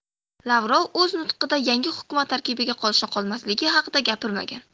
lavrov o'z nutqida yangi hukumat tarkibida qolish qolmasligi haqida gapirmagan